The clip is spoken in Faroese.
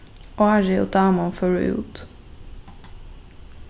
ári og daman fóru út